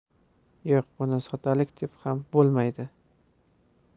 yo'q buni soddalik deb ham bo'lmaydi